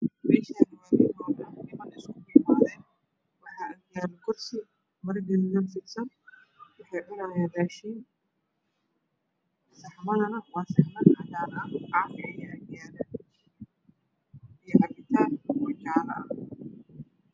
Meeshaani waa meel hool ah oo niman iskugu imaaden waxa ag yaalo kursi maro gaduudan fidsan waxay cunaayan raashin saxamadana waa saxaman cadaan ah caafi ayaa agyaala iyo cabitaan oo jaala ah